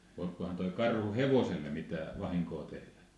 voikohan tuo karhu hevoselle mitään vahinkoa tehdä